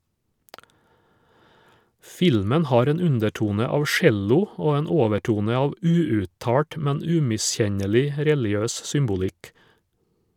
Filmen har en undertone av cello og en overtone av uuttalt, men umiskjennelig religiøs symbolikk.